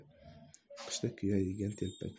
qishda kuya yegan telpak